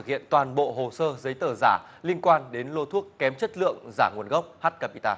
hiện toàn bộ hồ sơ giấy tờ giả liên quan đến lô thuốc kém chất lượng giả nguồn gốc hát ca pi ta